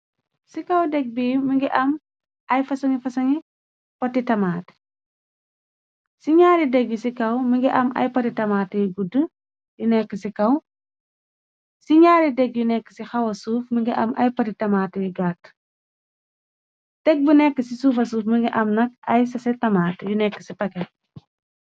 Ci kaw deg bi mu ngi am ay fasongi ay poti tamaati ci ñaari degdeg bu nekk ci suufa-suuf mi ngi am nag ay sase tamaat yu nekk ci paket.